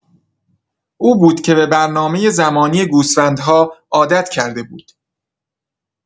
او بود که به برنامه زمانی گوسفندها عادت کرده بود.